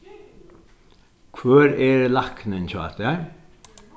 hvør er læknin hjá tær